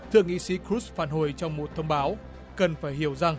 thượng nghị sĩ khờ rút phản hồi trong một thông báo cần phải hiểu rằng